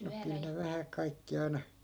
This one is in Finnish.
no kyllä ne vähän kaikki aina